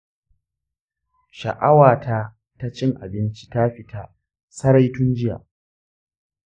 sha'awa ta ta cin abinci ta fita sarai tun jiya